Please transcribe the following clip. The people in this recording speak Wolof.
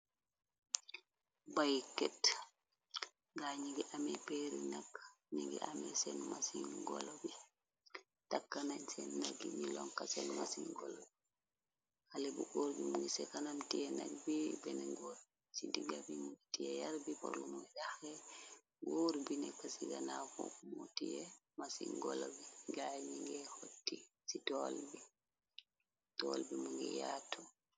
bay ket gay ni ngi amee peeri nakk ni ngi amée seen masin golo bi takka nañ seen naggi ni lonka seen masi golo ale bu kór bi mu ngi ce kanam tiye nag bi ben ngóor ci digga bi ngi tiye yar bi porlumu yaxe wóor bi nekk ci ganao mu tiye masin golo bi gaay ñi nge xotti ci tol bi mu ngi yaatu